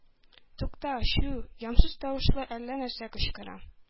Тукта, чү! Ямьсез тавышлы әллә нәрсә кычкыра.